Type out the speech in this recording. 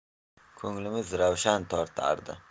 ko'nglimiz ravshan tortardi